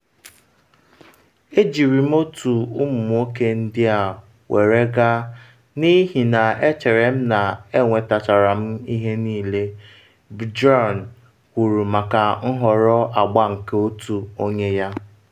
“Ejiri m otu ụmụ nwoke ndị a were gaa n’ihi na E chere m na enwetechara m ihe niile,” Bjorn kwuru maka nhọrọ agba nke otu onye ya.